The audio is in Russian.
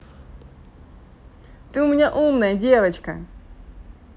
ты у меня умная девочка